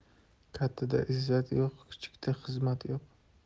kattada izzat yo'q kichikda xizmat yo'q